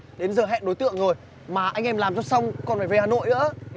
đến giờ hẹn đối tượng rồi mà anh em làm cho xong còn phải về hà nội nữa